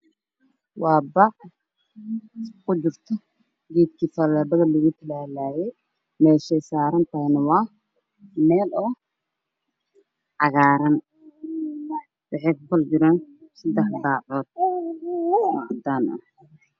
waa bac ku jirta geedkii faleebada lagu talaalaayey meeshey saarantahana waa meel oo cagaaran waxey kukala juraan sadex bacood oo cadaan ah